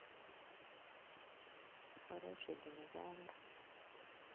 хороший динозавр